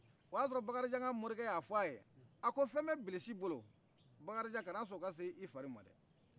o y'a sɔrɔ bakirijan ka morikɛ y'a fɔ a ye a ko fɛn bɛ bilisi bolo bakarijan kanasɔ o ka se i fari ma